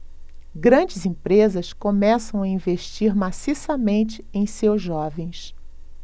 grandes empresas começam a investir maciçamente em seus jovens